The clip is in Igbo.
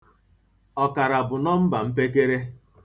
Ọkara (1/2) bụ nọmba mpekere.